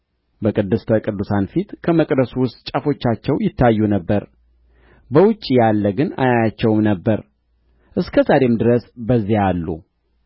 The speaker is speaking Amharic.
በቅድስተ ቅዱሳን ፊት ከመቅደሱ ውስጥ ጫፎቻቸው ይታዩ ነበር በውጭ ያለ ግን አያያቸውም ነበር እስከ ዛሬም ድረስ በዚያ አሉ